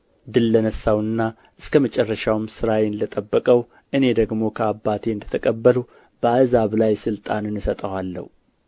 ድል ለነሣውና እስከ መጨረሻም ሥራዬን ለጠበቀው እኔ ደግሞ ከአባቴ እንደ ተቀበልሁ በአሕዛብ ላይ ሥልጣንን እሰጠዋለሁ